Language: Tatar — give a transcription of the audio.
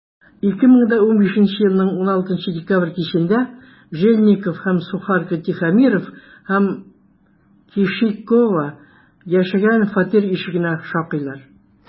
2015 елның 16 декабрь кичендә жильников һәм сухарко тихомиров һәм кешикова яшәгән фатир ишегенә шакыйлар.